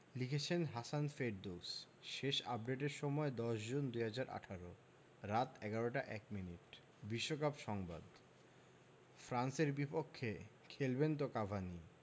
লিখেছেন হাসাম ফেরদৌস শেষ আপডেটের সময় ১০ জুন ২০১৮ রাত ১১টা ১ মিনিট বিশ্বকাপ সংবাদ ফ্রান্সের বিপক্ষে খেলবেন তো কাভানি